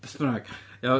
Beth bynnag, iawn.